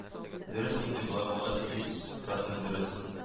Дөрес инде болай булгач, йөз процент дөрес